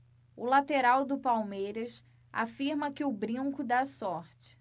o lateral do palmeiras afirma que o brinco dá sorte